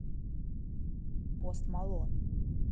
post malone